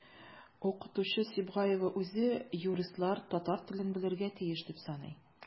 Укытучы Сибгаева үзе юристлар татар телен белергә тиеш дип саный.